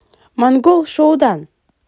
монгол шуудан